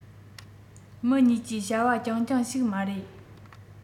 མི གཉིས ཀྱི བྱ བ རྐྱང རྐྱང ཞིག མ རེད